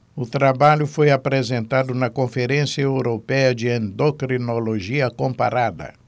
o trabalho foi apresentado na conferência européia de endocrinologia comparada